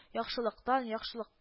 Яхшылыктан яхшылык